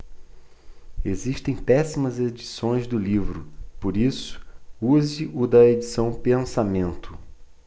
existem péssimas edições do livro por isso use o da edição pensamento